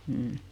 mm